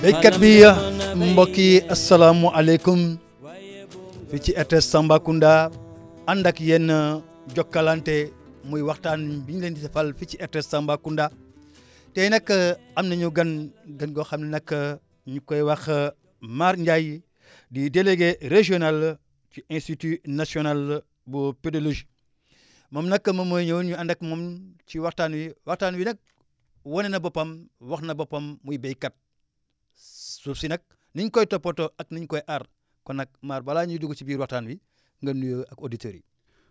béykat bi mbokk yi asalaamaaleykum fii ci RTS Tambacounda ànd ak yéen jokkalante muy waxtaan bi ñu leen di defal fii ci RTS Tambacounda tey nag am nañu gan gan goo xam ne nag ñu ngi koy wax Mar Ndiaye di délégué régional ci institut national bu pédologie moom nag mooy ñëw ñu ànd ak moom ci waxtaan wi waxtaan wi nag wane na boppam wax na boppam muy béykat suuf si nag ni ñu koy toppatoo ak ni ñu koy aar kon nag Mar balaa ñuy dugg ci biir waxtaan wi nga nuyoo ak auditeurs yi